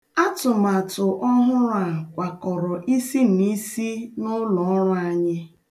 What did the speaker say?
Atụmaatụ ọhụrụ a kwakọrọ isiniisi n'ụlọọrụ anyị.